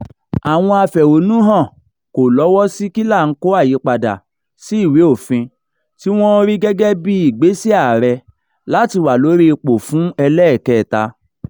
Àwọn afẹ̀hónúhàn kò lọ́wọ́ sí kílàńkó àyípadà sí ìwé-òfin tí wọ́n rí gẹ́gẹ́ bí ìgbésẹ̀ ààrẹ láti wà lórí ipò fún ẹlẹ́ẹ̀kẹ́ta.